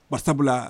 Barsabula